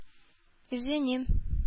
Извини